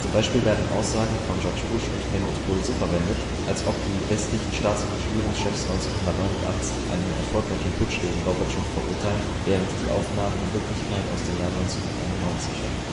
Z. B. werden Aussagen von George Bush und Helmut Kohl so verwendet, als ob die westlichen Staats - und Regierungschefs 1989 einen erfolgreichen Putsch gegen Gorbatschow verurteilten, während die Aufnahmen in Wirklichkeit aus dem Jahr 1991 stammen